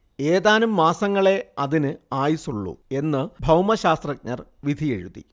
ഏതാനും മാസങ്ങളേ അതിന് ആയുസുള്ളൂ എന്ന് ഭൗമശാസ്ത്രജ്ഞർ വിധിയെഴുതി